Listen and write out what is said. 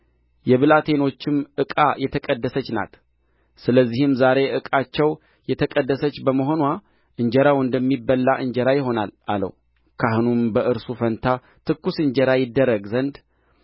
የብላቴኖችም ዕቃ የተቀደሰች ናት ስለዚህ ዛሬ ዕቃቸው የተቀደሰች በመሆንዋ እንጀራው እንደሚበላ እንጀራ ይሆናል አለው ካህኑም በእርሱ ፋንታ ትኩስ እንጀራ ይደረግ ዘንድ